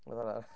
Oedd hwnna...